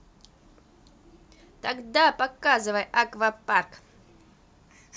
тогда показывай аквапарк